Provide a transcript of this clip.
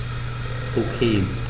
Okay.